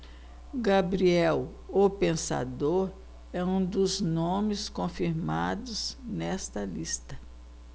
gabriel o pensador é um dos nomes confirmados nesta lista